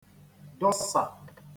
dọsà